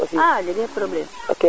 a jege probleme